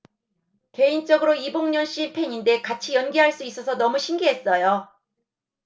개인적으로 이봉련 씨 팬인데 같이 연기할 수 있어서 너무 신기했어요